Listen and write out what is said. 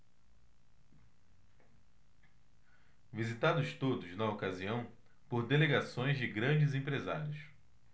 visitados todos na ocasião por delegações de grandes empresários